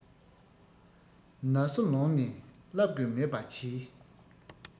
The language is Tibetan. ན སོ ལོངས ནས བསླབས དགོས མེད པ གྱིས